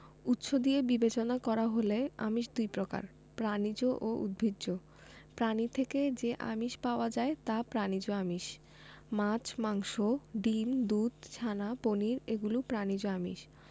উৎস দিয়ে বিবেচনা করা হলে আমিষ দুই প্রকার প্রাণিজ ও উদ্ভিজ্জ প্রাণী থেকে যে আমিষ পাওয়া যায় তা প্রাণিজ আমিষ মাছ মাংস ডিম দুধ ছানা পনির এগুলো প্রাণিজ আমিষ